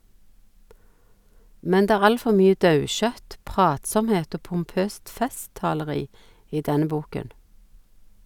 Men det er alt for mye daukjøtt, pratsomhet og pompøst festtaleri i denne boken.